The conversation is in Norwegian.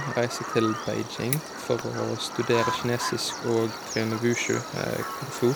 Jeg reiste til Beijing for å studere kinesisk og trene wushu, kung fu.